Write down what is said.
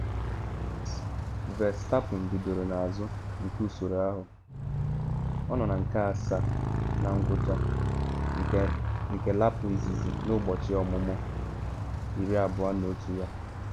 Max Verstappen bidoro n’azụ nke usoro ahụ, ọ nọ na nke asaa na ngwụcha nke lapụ izizi na ụbọchị ọmụmụ 21 ya.